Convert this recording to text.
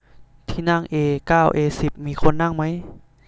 ที่นั่งเอเก้าเอสิบมีคนนั่งมั้ย